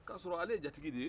ka sɔrɔ ale ye jatigi de ye